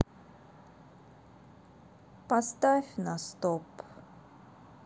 поставь на стоп